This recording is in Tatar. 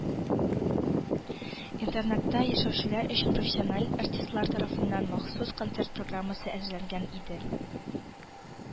Интернатта яшәүчеләр өчен профессиональ артистлар тарафыннан махсус концерт программасы әзерләнгән иде